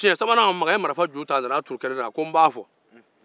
siɲɛ sabanan makan ye marifa turu kɛnɛ ko n b'a fɔ